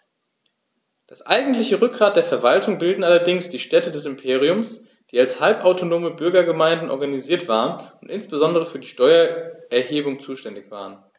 Das eigentliche Rückgrat der Verwaltung bildeten allerdings die Städte des Imperiums, die als halbautonome Bürgergemeinden organisiert waren und insbesondere für die Steuererhebung zuständig waren.